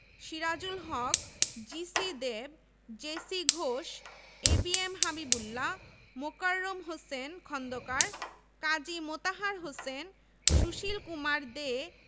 Sirajul Haque G C Deb J C Ghosh A B M Habibullah Mokarram Hossain Khondokar Kazi Motahar Hossain Sushil Kumar they